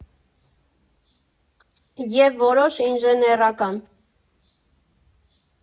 ԵՒ որոշ ինժեներական։